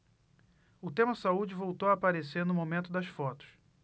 o tema saúde voltou a aparecer no momento das fotos